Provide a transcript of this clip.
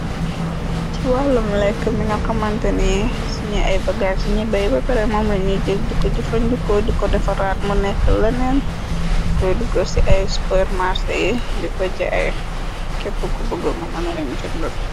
ci wàllum lekk mi nga xomanteni suñi ay bagaar ci ñi bay weppare mamlu ñiy jëg di ko jufanjukoo diko defa raat mu nekk leneen ñu koy dugal ci ay supor marsa yi diko jaay kepp ku bëgo nga mënarim jëndul.